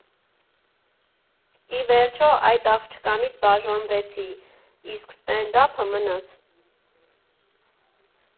Ի վերջո, այդ աղջկանից բաժանվեցի, իսկ ստենդափը մնաց։